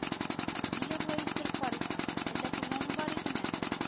— нигә болай өздереп карыйсың, әллә күргәнең бар идеме